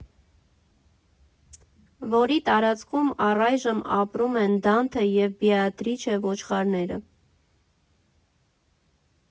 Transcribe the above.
Որի տարածքում առայժմ ապրում են Դանթե և Բեատրիչե ոչխարները։